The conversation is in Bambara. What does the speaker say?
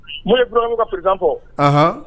-Mun de ye burikinabew ka president sɔrɔ?